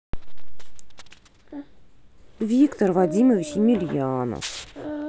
виктор вадимович емельянов